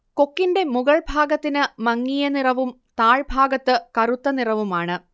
കൊക്കിന്റെ മുകൾഭാഗത്തിന് മങ്ങിയ നിറവും താഴ്ഭാഗത്തു കറുത്ത നിറവുമാണ്